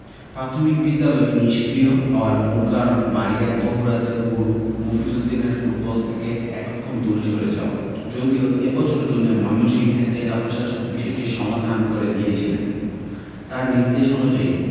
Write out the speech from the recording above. প্রাথমিক বিদ্যালয় নিষ্ক্রিয় হওয়ার মূল কারণ মারিয়া তহুরাদের গুরু মফিজ উদ্দিনের ফুটবল থেকে একরকম দূরে সরে যাওয়া যদিও এ বছরের জুনে ময়মনসিংহের জেলা প্রশাসক বিষয়টির সমাধান করে দিয়েছিলেন তাঁর নির্দেশনা অনুযায়ী